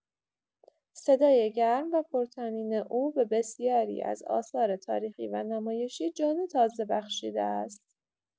صدای گرم و پرطنین او به بسیاری از آثار تاریخی و نمایشی جان تازه بخشیده است.